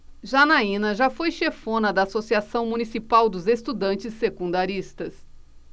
janaina foi chefona da ames associação municipal dos estudantes secundaristas